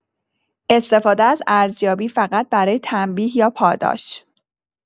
استفاده از ارزیابی فقط برای تنبیه یا پاداش